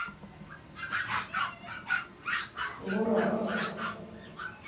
лоракс